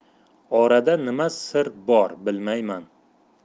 orada nima sir bor bilmayman